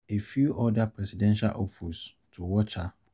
A few other presidential hopefuls to watch are: